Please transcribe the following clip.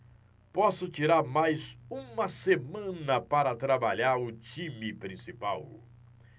posso tirar mais uma semana para trabalhar o time principal